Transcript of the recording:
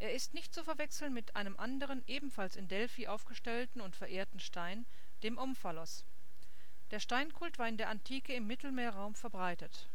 ist nicht zu verwechseln mit einem anderen ebenfalls in Delphi aufgestellten und verehrten Stein, dem Omphalos. Der Steinkult war in der Antike im Mittelmeerraum verbreitet